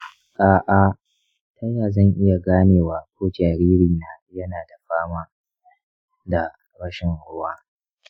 a'a, ta yaya zan iya ganewa ko jaririna yana da fama da rashin ruwa?